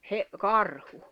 - karhu